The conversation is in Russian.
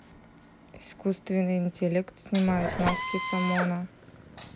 искусственный интеллект снимает маски с омона